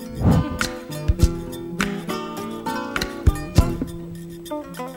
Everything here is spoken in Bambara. Wa yo yo yo